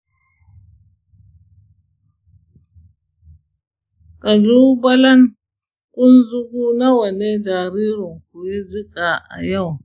kallubalen kunzugu nawa ne jaririnku ya jika a yau?